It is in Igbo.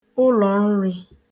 ụlọ̀nrī